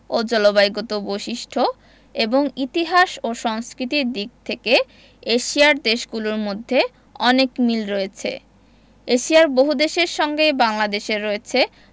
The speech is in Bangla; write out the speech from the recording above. ও জলবায়ুগত বৈশিষ্ট্য এবং ইতিহাস ও সংস্কৃতির দিক থেকে এশিয়ার দেশগুলোর মধ্যে অনেক মিল রয়েছে এশিয়ার বহুদেশের সঙ্গেই বাংলাদেশের রয়েছে